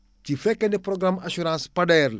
ci fekkee ne programme assurance Pader la